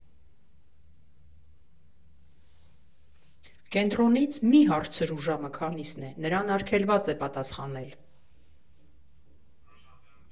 Կենտրոնից մի՛ հարցրու ժամը քանիսն է, նրան արգելված է պատասխանել։